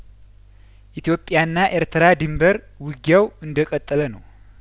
ኢትዮጵያና ኤርትራ ድንበር ውጊያው እንደቀጠለነው